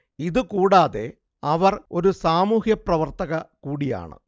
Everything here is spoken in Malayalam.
ഇതുകൂടാതെ അവർ ഒരു സാമൂഹ്യപ്രവർത്തക കൂടിയാണ്